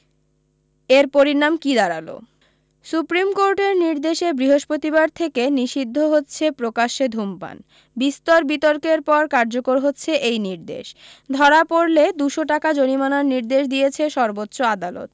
এর পরিণাম কী দাঁড়াল সুপ্রিম কোর্টের নির্দেশে বৃহস্পতিবার থেকে নিষিদ্ধ হচ্ছে প্রকাশ্যে ধূমপান বিস্তর বিতর্কের পর কার্যকর হচ্ছে এই নির্দেশ ধরা পড়লে দুশো টাকা জরিমানার নির্দেশ দিয়েছে সর্ব্বোচ্চ আদালত